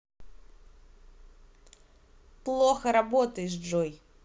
плохо работаешь джой